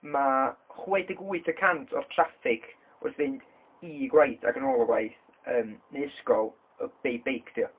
ma' chwedeg wyth y cant o'r traffig wrth fynd i gwaith ac yn ôl o'r gwaith yym neu ysgol, y- bei- beic 'di o.